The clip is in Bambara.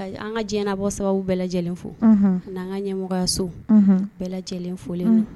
An ka diɲɛna bɔ sababu bɛɛ lajɛlen fo, unhun, ani an ka ɲɛmɔgɔso, bɛɛ lajɛlen fɔlen don.